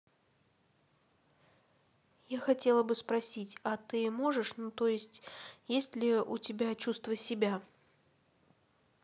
я хотела бы спросить а ты можешь ну тоесть есть ли у тебя чувство себя